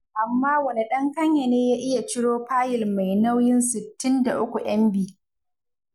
Amma wane ɗan Kenya ne ya iya ciro fayil mai nauyin 63 MB?